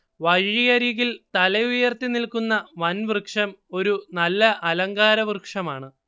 വഴിയരികിൽ തലയുയർത്തി നിൽക്കുന്ന വൻവൃക്ഷം ഒരു നല്ല അലങ്കാരവൃക്ഷമാണ്